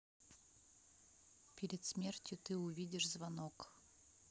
перед смертью ты увидишь звонок